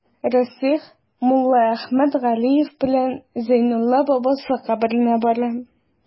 Расих Муллаәхмәт Галиев белән Зәйнулла бабасы каберенә бара.